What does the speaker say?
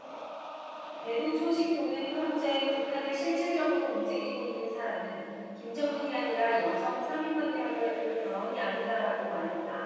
대북 소식통은 현재 북한을 실질적으로 움직이고 있는 사람은 김정은이 아니라 여성 삼 인방이라고 해도 과언이 아니다라고 말했다